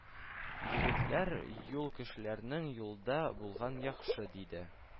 – егетләр, юл кешеләренең юлда булганы яхшы, – диде